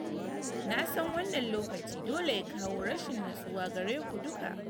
Na san wannan lokaci dole ya kawo rashin natsuwa gare ku duka.